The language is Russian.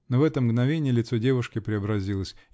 Но в это мгновенье лицо девушки преобразилось.